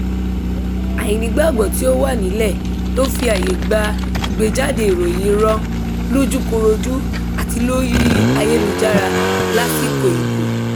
Àìnígbàgbọ́ tí ó wà nílẹ̀ ló fi àyè gba ìgbéjáde ìròyìn irọ́ – lójúkorojú àti lórí ayélujára – lásìkò ìbò.